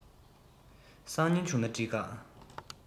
སང ཉིན བྱུང ན འགྲིག ག